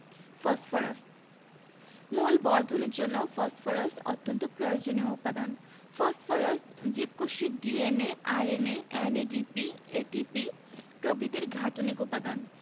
phosphorus মূল বর্ধনের জন্য ফসফরাস অত্যন্ত প্রয়োজনীয় উপাদান ফসফরাস জীবকোষের D N A R N A N A DP A TP প্রভৃতির গাঠনিক উপাদান